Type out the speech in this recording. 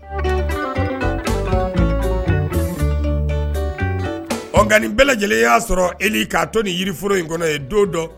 Nka nin bɛɛ lajɛlen y'a sɔrɔ e k'a to ni yirioro in kɔnɔ ye don dɔ